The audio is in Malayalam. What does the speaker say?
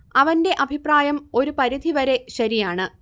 അവന്റെ അഭിപ്രായം ഒരു പരിധി വരെ ശരിയാണ്